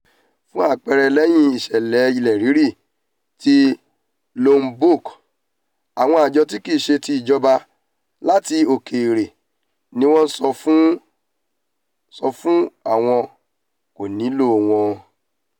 Fún àpẹẹrẹ, lẹ́yìn ìṣẹ̀lẹ̀ ilẹ̀ rírí tí Lombok, àwọn àjọ tí kìí ṣe ti ìjọba láti ilẹ̀ òkèèrè ni wọ́n sọ fún àwọn kò nílò wọn.